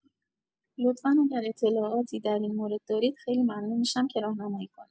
لطفا اگر اطلاعاتی در این مورد دارید خیلی ممنون می‌شم که راهنمایی کنید